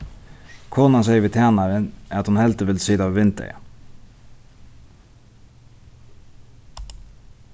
konan segði við tænarin at hon heldur vildi sita við vindeygað